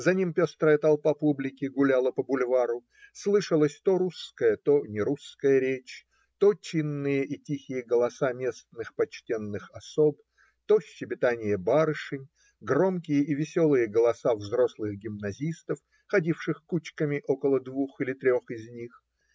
За ним пестрая толпа публики гуляла по бульвару, слышалась то русская, то нерусская речь, то чинные и тихие голоса местных почтенных особ, то щебетанье барышень, громкие и веселые голоса взрослых гимназистов, ходивших кучками около двух или трех из них.